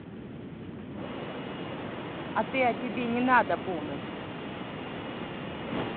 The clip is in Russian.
а ты о тебе не надо помощь